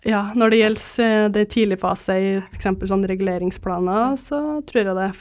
ja når det gjelder den tidlige fase i f.eks. sånn reguleringsplaner så trur jeg det.